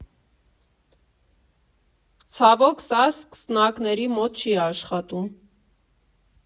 Ցավոք, սա սկսնակների մոտ չի աշխատում։